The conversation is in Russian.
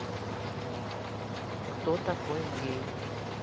кто такой гей